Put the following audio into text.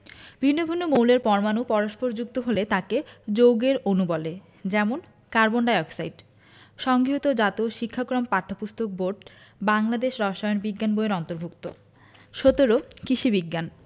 ভিন্ন ভিন্ন মৌলের পরমাণু পরস্পর যুক্ত হলে তাকে যৌগের অণু বলে যেমন কার্বন ডাই অক্সাইড সংগৃহীত জাতীয় শিক্ষাক্রম ও পাঠ্যপুস্তক বোর্ড বাংলাদেশ রসায়ন বিজ্ঞান বই এর অন্তর্ভুক্ত ১৭ কিষি বিজ্ঞান